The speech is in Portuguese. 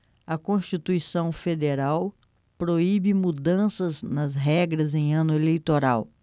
a constituição federal proíbe mudanças nas regras em ano eleitoral